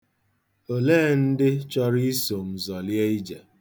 Olee ndị chọrọ iso m zọlie ije?